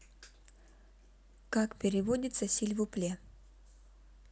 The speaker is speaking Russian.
как переводится сильвупле